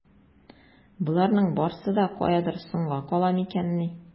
Боларның барсы да каядыр соңга кала микәнни?